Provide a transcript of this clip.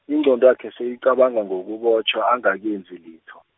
ingqondwakhe seyicabanga ngokubotjhwa angakenzi litho.